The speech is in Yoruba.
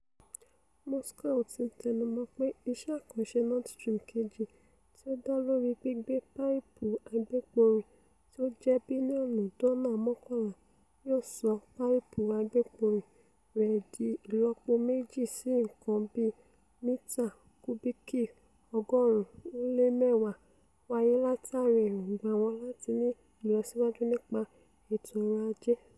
Moscow ti ń tẹnumọ́ pé iṣẹ́ àkànṣè Nord Stream 2 tí ó dá lórí gbígbé páìpù agbépo-rìn tí ó jẹ́ bílíọ́ọ̀nù dọ́là mọ́kànlá yóò sọ páìpù agbépo-rìn rẹ̀ di ìlọ́po méjì sí nǹkan bíi mítà kúbíìkì ọgọ́rùn-ún ó lé mẹ́wàá wáyé látàríi èròngbà wọn láti ní ìlọsíwájú nípa ètò ọrọ̀ ajé.